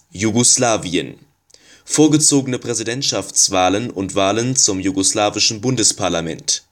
Jugoslawien: Vorgezogene Präsidentschaftswahlen und Wahlen zum jugoslawischen Bundesparlament